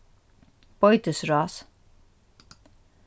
beitisrás